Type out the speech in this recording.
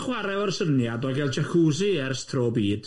chwarae efo'r syniad o gael jacuzzi ers tro byd.